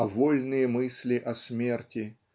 а "вольные мысли" о смерти